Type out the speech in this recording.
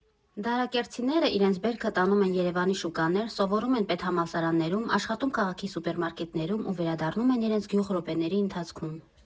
Դարակերտցիները իրենց բերքը տանում են Երևանի շուկաներ, սովորում են պետհամալսարաններում, աշխատում քաղաքի սուպերմարկետներում ու վերադառնում են իրենց գյուղ րոպեների ընթացքում։